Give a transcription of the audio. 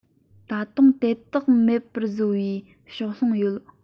ད དུང དེ དག མེད པར བཟོ བའི ཕྱོགས ལྷུང ཡོད